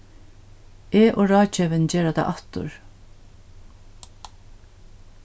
eg og ráðgevin gera tað aftur